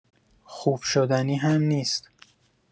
خوب‌شدنی هم نیست.